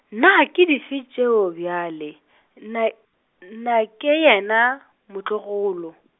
na ke dife tšeo bjale , na, Nakeyena motlogolo?